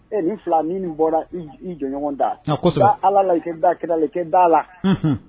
E nin fila min bɔra i jɔɲɔgɔn da, ɛɛ, kosɛbɛ . Da allah la i ka da kira la, i kɛ da la